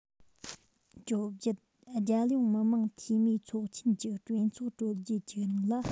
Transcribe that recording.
བཅོ བརྒྱད རྒྱལ ཡོངས མི དམངས འཐུས མིའི ཚོགས ཆེན གྱི གྲོས ཚོགས གྲོལ རྗེས ཀྱི རིང ལ